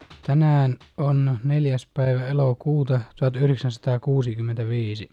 tänään on neljäs päivä elokuuta tuhatyhdeksänsataa kuusikymmentäviisi